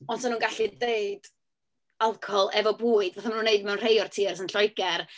Ond 'sen nhw'n gallu deud alcohol efo bwyd, fel wnaethon nhw yn rhai o'r tiers yn Lloegr.